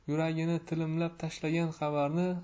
yuragini tilimlab tashlagan xabarni